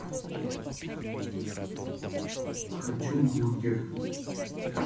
хочу бургер